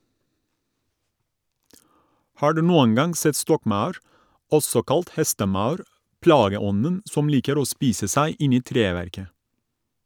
Har du noen gang sett stokkmaur, også kalt hestemaur, plageånden som liker å spise seg inn i treverket?